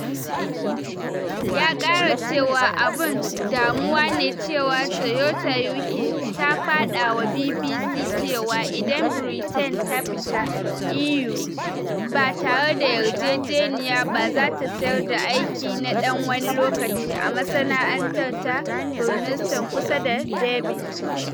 Ya kara cewa abun “damuwa ne” cewa Toyota UK ta fada wa BBC cewa idan Britain ta fita EU ba tare da yarjejeniya ba zata sayar da aiki na dan wani lokaci a masana’antar ta a Burnaston, kusa da Derby.